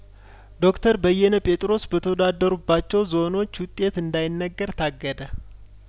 ዶክተር በየነ ጴጥሮስ በተወዳደሩባቸው ዞኖች ውጤት እንዳይነገር ታገደ